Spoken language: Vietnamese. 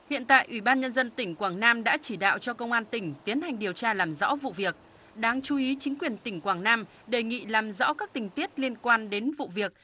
hiện tại ủy ban nhân dân tỉnh quảng nam đã chỉ đạo cho công an tỉnh tiến hành điều tra làm rõ vụ việc đáng chú ý chính quyền tỉnh quảng nam đề nghị làm rõ các tình tiết liên quan đến vụ việc